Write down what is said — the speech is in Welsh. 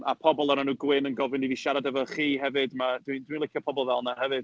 A pobl o'r enw Gwyn yn gofyn i fi siarad efo chi hefyd. Ma'... dwi dwi'n licio pobl fel 'na hefyd.